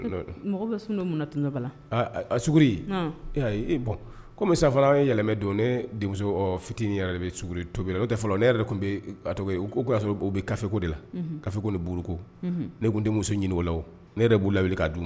A kɔmi sa an yɛlɛ don ne fit yɛrɛ bɛ tobi o tɛ ne yɛrɛ tun bɛ cogo y'a sɔrɔ u bɛfeko de la kafe ko buruko ne tun denmuso muso ɲini o la ne yɛrɛ b' la wuli k'a dun